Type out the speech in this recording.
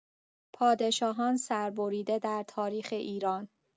پادشاهان سر بریده در تاریخ ایران